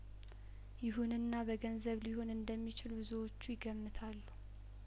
ይሁንና በገንዘብ ሊሆን እንደሚችል ብዙዎቹ ይገም ታሉ